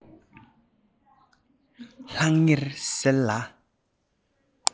ལྷང ངེར གསལ ལ